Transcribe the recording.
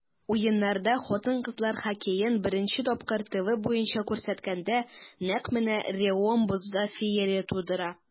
Уеннарда хатын-кызлар хоккеен беренче тапкыр ТВ буенча күрсәткәндә, нәкъ менә Реом бозда феерия тудыра.